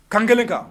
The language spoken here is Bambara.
Kan 1 kan